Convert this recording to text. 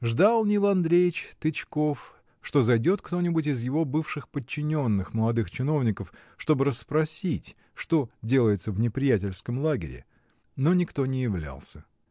Ждал Нил Андреич Тычков, что зайдет кто-нибудь из его бывших подчиненных, молодых чиновников, чтоб расспросить, что делается в неприятельском лагере. Но никто не являлся.